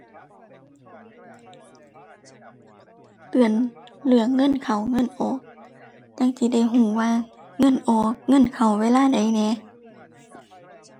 เตือนเรื่องเงินเข้า เงินออก จั่งสิได้รู้ว่าเงินออก เงินเข้า เวลาใดแหน่